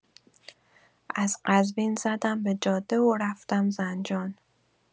از قزوین زدم به جاده و رفتم زنجان.